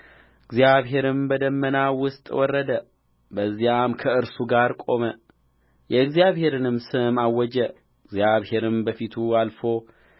እግዚአብሔርም በደመናው ውስጥ ወረደ በዚያም ከእርሱ ጋር ቆመ የእግዚአብሔርንም ስም አወጀ እግዚአብሔርም በፊቱ አልፎ